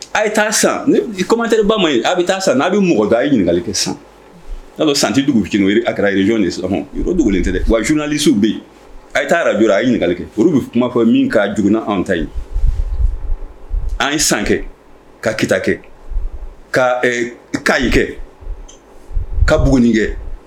A ye taa san ni kɔmmatɛ ba ye a bɛ taa san n'a bɛ mɔgɔ da a ye ɲininkakali kɛ san n'a don santidugu f ararezjo de sɔrɔ yɔrɔ dugulen tɛ wa zuninalisiw bi a taaraj a ye ɲininkakali kɛ olu bɛ kuma fɔ min ka jna anw ta yen an san kɛ ka ki kɛ ka k ka kɛ ka bugun kɛ